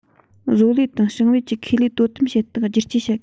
བཟོ ལས དང ཞིང ལས ཀྱི ཁེ ལས དོ དམ བྱེད སྟངས བསྒྱུར བཅོས བྱ དགོས